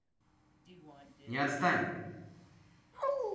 не отстань